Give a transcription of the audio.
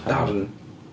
Darn.